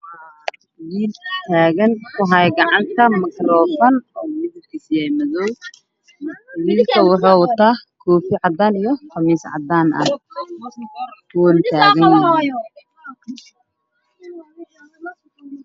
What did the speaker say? Wiil taagan ku hayo makaroofan oo midabkiisu yahay madow wiilka wuxuu wataa koofi cadaan iyo qamiis cadaana wuuna taagan yahay